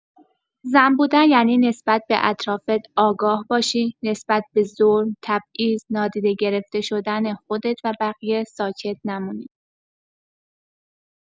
زن بودن یعنی نسبت به اطرافت آگاه باشی، نسبت به ظلم، تبعیض، نادیده گرفته شدن خودت و بقیه ساکت نمونی.